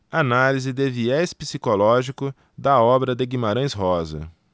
análise de viés psicológico da obra de guimarães rosa